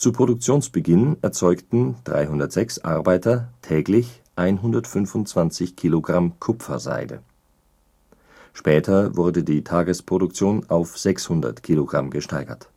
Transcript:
Produktionsbeginn erzeugten 306 Arbeiter täglich 125 Kilogramm Kupferseide, später wurde die Tagesproduktion auf 600 Kilogramm gesteigert